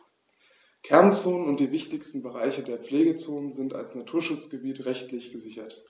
Kernzonen und die wichtigsten Bereiche der Pflegezone sind als Naturschutzgebiete rechtlich gesichert.